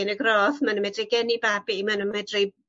yn y groth ma' n'w medru geni babi mae n'w medru